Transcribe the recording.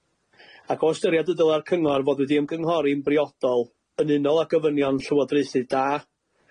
ac o ystyriad y dyla'r cyngor fod wedi ymgynghori'n briodol yn unol â gofynion llywodraethu da